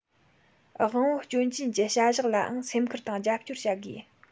དབང པོ སྐྱོན ཅན གྱི བྱ གཞག ལའང སེམས ཁུར དང རྒྱབ སྐྱོར བྱ དགོས